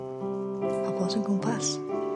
Pobol sy'n gwmpas